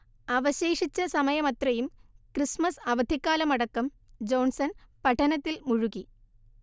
അവശേഷിച്ച സമയമത്രയും ക്രിസ്മസ് അവധിക്കാലമടക്കം ജോൺസൺ പഠനത്തിൽ മുഴുകി